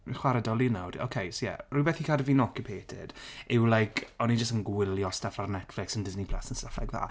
Rwy'n chwarae dwli nawr. Oce so ie rhywbeth i cadw fi'n occupated yw like... o'n i jyst yn gwylio stuff ar Netflix and Disney Plus and stuff like that.